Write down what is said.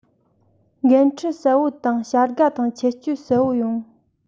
འགན འཁྲི གསལ པོ དང བྱ དགའ དང ཆད གཅོད གསལ པོ ཡོང